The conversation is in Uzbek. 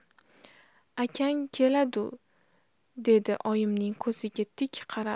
akang keladu dedi oyimning ko'ziga tik qarab